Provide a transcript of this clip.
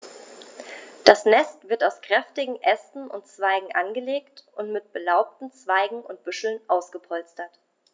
Das Nest wird aus kräftigen Ästen und Zweigen angelegt und mit belaubten Zweigen und Büscheln ausgepolstert.